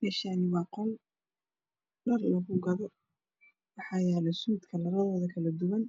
Meeshaani waa qol dhar lagu gado waxaa yaalo suud kalaradooda kala duwan